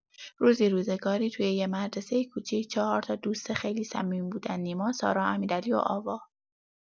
روزی روزگاری توی یه مدرسۀ کوچیک، چهار تا دوست خیلی صمیمی بودن: نیما، سارا، امیرعلی و آوا.